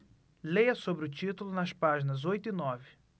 leia sobre o título nas páginas oito e nove